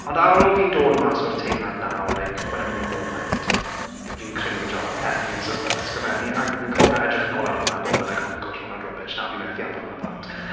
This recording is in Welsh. Ond ar ôl fi'n dod mas o'r teimlad 'na o like when I'm in the moment, fi'n crinjo ar y pethe fi'n sysge- ysgrifennu ac fi'n cofio edrych nôl ar hwnna bod fel like oh my gosh ma' hwnna'n rubbish, na fi methu hwnna bant.